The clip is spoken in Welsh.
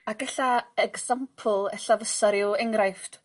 Ag ella example ella fysa ryw enghraifft